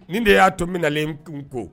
Nin de y'a tomin nalen kun ko